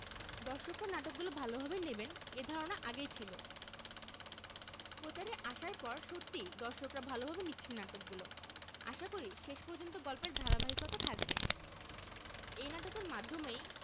দর্শকরা নাটকগুলো ভালোভাবেই নেবেন এ ধারণা আগেই ছিল প্রচারে আসার পর সত্যিই দর্শকরা ভালোভাবে নিচ্ছেন নাটকগুলো আশাকরি শেষ পর্যন্ত গল্পের ধারাবাহিকতা থাকবে এ নাটকের মাধ্যমেই